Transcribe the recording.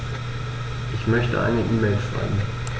Ich möchte eine E-Mail schreiben.